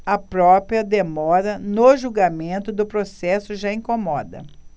a própria demora no julgamento do processo já incomoda